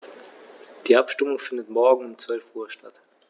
Die Abstimmung findet morgen um 12.00 Uhr statt.